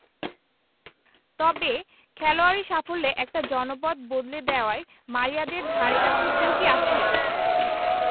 তবে খেলোয়াড়ি সাফল্যে একটা জনপদ বদলে দেওয়ায় মারিয়াদের ধারেকাছে কেউ কি আছেন